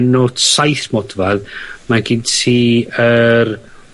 NOte saith modfadd. Mae gin ti yr